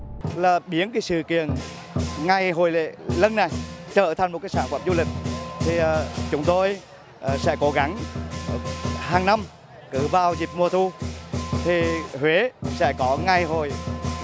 là biến cái sự kiện ngày hội lễ lân này trở thành một cái sản phẩm du lịch thì chúng tôi sẽ cố gắng hàng năm cứ vào dịp mùa thu thì huế sẽ có ngày hội